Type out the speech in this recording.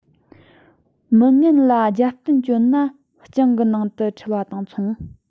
མི ངན ལ རྒྱབ རྟེན བཅོལ ན སྤྱང ཀི ནང དུ ཁྲིད པ དང མཚུངས